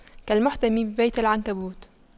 كالمحتمي ببيت العنكبوت